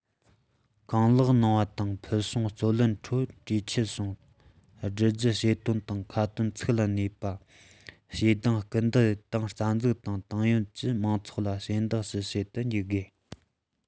གང ལེགས གནང བ དང ཕུལ བྱུང བརྩོན ལེན ཁྲོད གྲོས འཆམ བྱུང བསྒྲུབ རྒྱུ བྱེད དོན དང ཁ དན ཚིག ལ གནས པ དཔྱད གདེང སྐུལ འདེད ཏང རྩ འཛུགས དང ཏང ཡོན གྱིས མང ཚོགས ལ ཞབས འདེགས ཞུ བྱེད དུ འཇུག དགོས